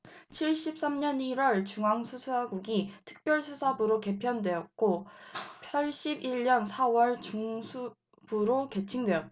칠십 삼 년 일 월 중앙수사국이 특별수사부로 개편됐고 팔십 일 년 사 월 중수부로 개칭됐다